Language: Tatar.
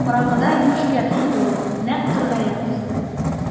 Караңгыда юешкә төште ул нәкъ кыргаяк төсле.